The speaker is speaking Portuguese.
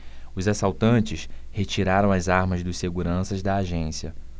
os assaltantes retiraram as armas dos seguranças da agência